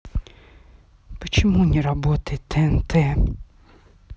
почему не работает тнт